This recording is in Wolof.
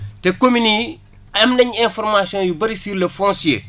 te communes yi am nañ information yu bëri sur le foncier